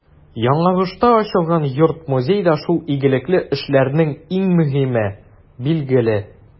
Яңагошта ачылган йорт-музей да шул игелекле эшләрнең иң мөһиме, билгеле.